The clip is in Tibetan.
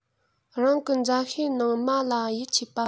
རང གི མཛའ བཤེས ནང མ ལ ཡིད ཆེས པ